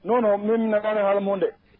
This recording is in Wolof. non non